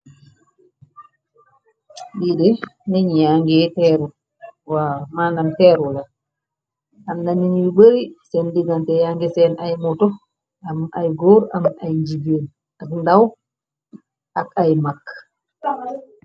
Liide nit yangi teeruwaw mànam teeru la amna ni ñuy bari seen digante yangi seen ay moto am ay góor am ay jigeen ak ndaw ak ay makk.